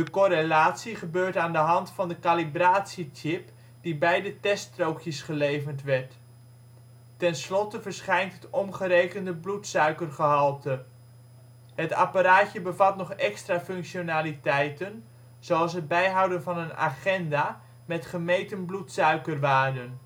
correlatie gebeurt aan de hand van de kalibratiechip die bij de teststrookjes geleverd werd. Tenslotte verschijnt het omgerekende bloedsuikergehalte. Het apparaatje bevat nog extra functionaliteiten zoals het bijhouden van een agenda met gemeten bloedsuikerwaarden